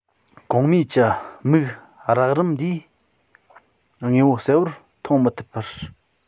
གོང སྨྲས ཀྱི མིག རགས རིམ འདིས དངོས པོ གསལ བོར མཐོང མི ཐུབ པར